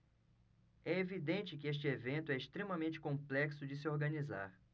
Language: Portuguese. é evidente que este evento é extremamente complexo de se organizar